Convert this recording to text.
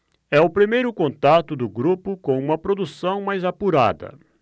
é o primeiro contato do grupo com uma produção mais apurada